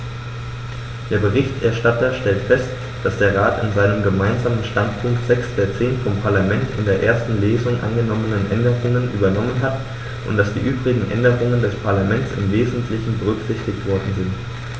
Der Berichterstatter stellte fest, dass der Rat in seinem Gemeinsamen Standpunkt sechs der zehn vom Parlament in der ersten Lesung angenommenen Änderungen übernommen hat und dass die übrigen Änderungen des Parlaments im wesentlichen berücksichtigt worden sind.